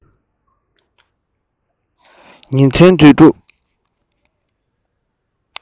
ཉིན མཚན དུས དྲུག